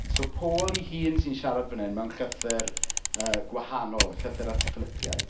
So Paul ei hun sy'n siarad fan hyn mewn llythyr yy gwahanol Llythyr at y Ffilipiaid.